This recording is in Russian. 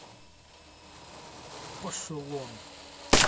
пошелон